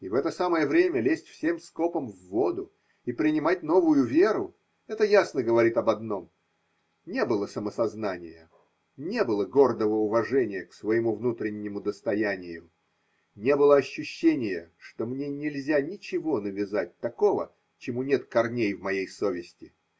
– в это самое время лезть всем скопом в воду и принимать новую веру – это ясно говорит об одном: не было самосознания, не было гордого уважения к своему внутреннему достоянию, не было ощущения, что мне нельзя ничего навязать такого, чему нет корней в моей совести.